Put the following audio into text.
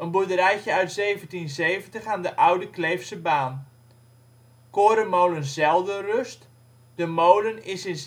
boerderijtje uit 1770 aan de Oude Kleefsebaan. Korenmolen Zeldenrust, de molen is in